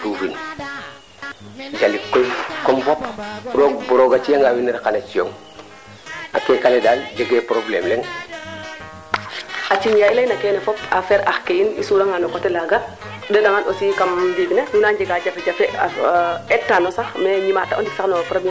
i ndigilo kaa jeg goor waa ando naye ga yaaco nan nena mi gaa yaaco nan nena mi tiye o ndeeta ndeet bata nan ruk a sis no cafof so o soogo inwa nin